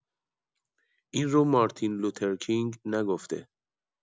این رو مارتین لوترکینگ نگفته.